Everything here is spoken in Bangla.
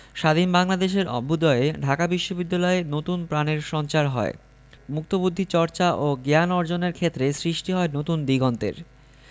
স্বাধীন বাংলাদেশের অভ্যুদয়ে ঢাকা বিশ্ববিদ্যালয়ে নতুন প্রাণের সঞ্চার হয় মুক্তবুদ্ধি চর্চা ও জ্ঞান অর্জনের ক্ষেত্রে সৃষ্টি হয় নতুন দিগন্তের